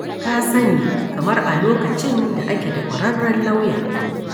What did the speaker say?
Ka sani, kamar a lokacin da ake da ƙwararren lauya.